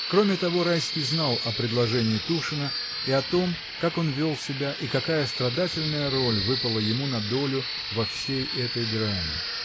Кроме того, Райский знал о предложении Тушина и о том, как он вел себя и какая страдательная роль выпала ему на долю во всей этой драме.